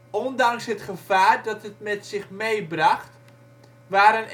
Ondanks het gevaar dat het met zich meebracht, waren